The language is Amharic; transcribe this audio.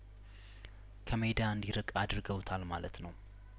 ከሜዳ እንዲርቅ አድርገውታል ማለት ነው